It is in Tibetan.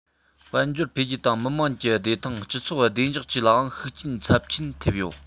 དཔལ འབྱོར འཕེལ རྒྱས དང མི དམངས ཀྱི བདེ ཐང སྤྱི ཚོགས བདེ འཇགས བཅས ལའང ཤུགས རྐྱེན ཚབས ཆེན ཐེབས ཡོད